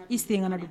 I sen ka dɛ